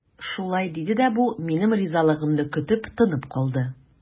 Шулай диде дә бу, минем ризалыгымны көтеп, тынып калды.